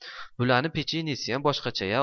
bulani pechenniysiyam boshqacha ya